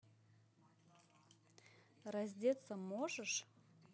раздеться можешь